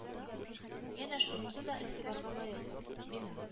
Янә шунысы да игътибарга лаек: бина